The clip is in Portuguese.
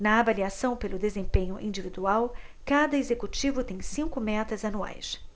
na avaliação pelo desempenho individual cada executivo tem cinco metas anuais